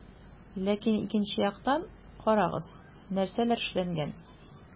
Ләкин икенче яктан - карагыз, нәрсәләр эшләнгән.